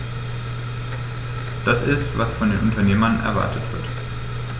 Das ist, was von den Unternehmen erwartet wird.